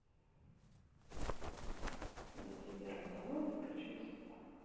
найти первый канал и включить звук